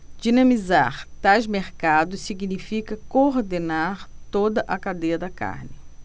dinamizar tais mercados significa coordenar toda a cadeia da carne